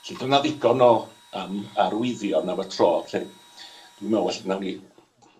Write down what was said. Felly dyna ddigon o yym arwyddion am y tro, felly dwi'n me'wl walla nawn ni